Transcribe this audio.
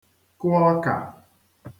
kụ ọkà